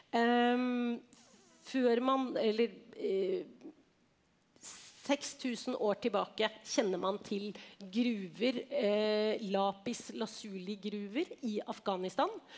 før man eller 6000 år tilbake kjenner man til gruver gruver i Afghanistan.